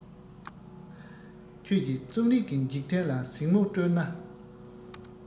ཁྱོད ཀྱིས རྩོམ རིག གི འཇིག རྟེན ལ གཟིགས མོ སྤྲོ ན